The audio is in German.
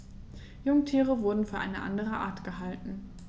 Jungtiere wurden für eine andere Art gehalten.